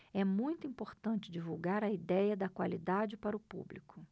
é muito importante divulgar a idéia da qualidade para o público